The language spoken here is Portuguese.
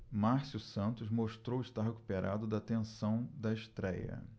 márcio santos mostrou estar recuperado da tensão da estréia